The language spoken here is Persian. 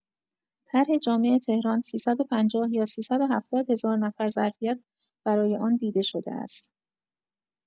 طرح جامع تهران، ۳۵۰ یا ۳۷۰ هزار نفر ظرفیت برای آن دیده شده است.